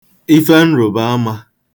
ife nrụ̀bàamā